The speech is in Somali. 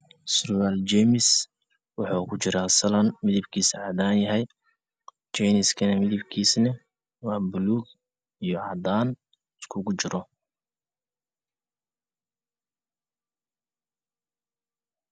Meeshan waxaa yaalo sugaan qurux badan oo golalkiisu yahay blugi cadaan